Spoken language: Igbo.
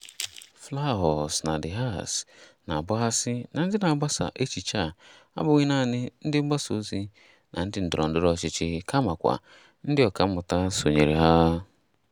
"Flahaux na De Haas na-agbaghasị na ndị na-agbasa echiche a abụghị naanị ndị mgbasaozi na ndị ndọrọndọrọ ọchịchị kamakwa ndị ọkàmmụta sonyere ha.